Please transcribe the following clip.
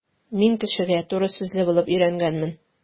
Мин кешегә туры сүзле булып өйрәнгәнмен.